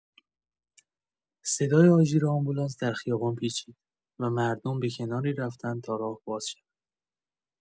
صدای آژیر آمبولانس در خیابان پیچید و مردم به کناری رفتند تا راه باز شود.